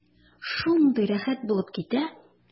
Шундый рәхәт булып китә.